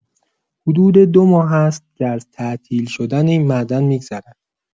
حدود ۲ ماه است که از تعطیل شدن این معدن می‌گذرد.